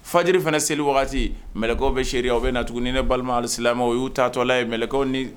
Fajri fana seli wagati mkaw bɛ seere o bɛ na tuguni ni ne balima u y' tatɔla ye mkaw ni